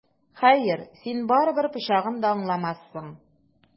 Хәер, син барыбер пычагым да аңламассың!